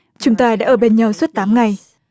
chúng ta đã ở bên nhau suốt tám ngày